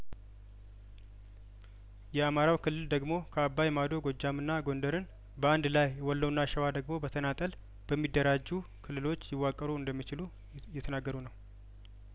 የአማራው ክልል ደግሞ ከአባይማዶ ጐጃምና ጐንደርን በአንድ ላይ ወሎና ሸዋ ደግሞ በተናጠል በሚደራጁ ክልሎች ሊዋቀሩ እንደሚችሉ እየተናገሩ ነው